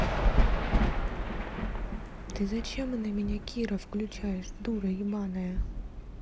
ты зачем на меня кира включаешь дура ебаная